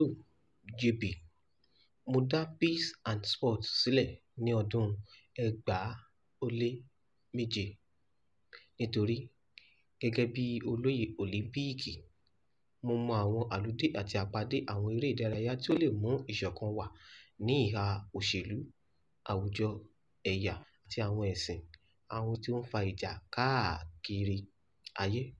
Joël Bouzou (JB): Mo dá Peace and Sport sílẹ̀ ní ọdún 2007 nítorí, gẹ́gẹ́ bi olóyè Òlímpììkì, mo mọ àwọn àludé àti àpadé àwon eré ìdárayá tó lè mú ìsọ̀kan wá ní ìhà òṣèlú, àwùjọ, ẹ̀yà àti àwọn ẹ̀sìn, àwọn èyí tó ń fa ìjà káàkiri ayé.